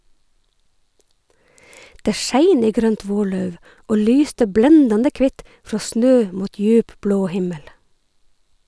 Det skein i grønt vårlauv og lyste blendande kvitt frå snø mot djup, blå himmel.